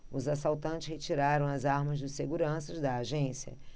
os assaltantes retiraram as armas dos seguranças da agência